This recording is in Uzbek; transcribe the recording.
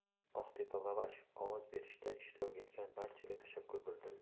oqtepa lavash ovoz berishda ishtirok etgan barchaga tashakkur bildiradi